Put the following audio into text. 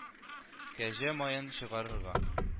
Кәҗә маен чыгарырга